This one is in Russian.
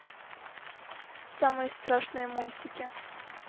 самые страшные мультики